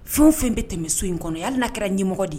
Fɛn o fɛn be tɛmɛ so in kɔnɔ hali n'a kɛra ɲemɔgɔ de ye